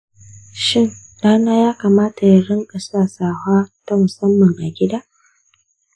shin ɗana ya kamata ya riƙa sa safa ta musamman a gida?